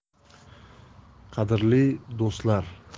qadrli do'stlar